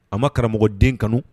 A ma karamɔgɔ den kanu